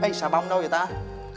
ây xà bông đâu vậy ta